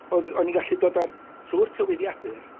o'dd o'n i'n gallu dod ar trw'r tywyddiadur